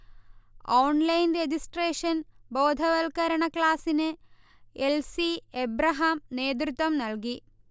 Online registration ബോധവത്കരണ ക്ലാസ്സിന് L. C. Abraham നേതൃത്വം നൽകി